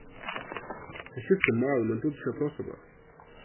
hann skilti málið men dugdi ikki at tosa tað